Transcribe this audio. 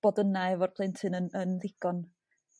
bod yna efo'r plentyn yn yn ddigon.